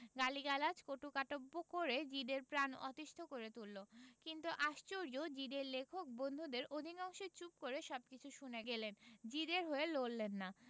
গালিগালাজ কটুকাটব্য করে জিদে র প্রাণ অতিষ্ঠ করে তুলল কিন্তু আশ্চর্য জিদে র লেখক বন্ধুদের অধিকাংশই চুপ করে সবকিছু শুনে গেলেন জিদে র হয়ে লড়লেন না